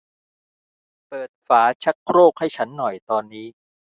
เปิดฝาชักโครกให้ฉันหน่อยตอนนี้